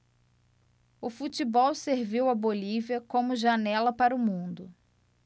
o futebol serviu à bolívia como janela para o mundo